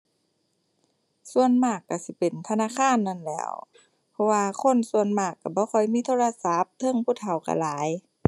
ส่วนมากก็สิเป็นธนาคารนั่นแหล้ว เพราะว่าคนส่วนมากก็บ่ค่อยมีโทรศัพท์ เทิงผู้เฒ่าก็หลาย